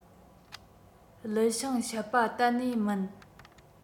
ལི ཤིང བཤད པ གཏན ནས མིན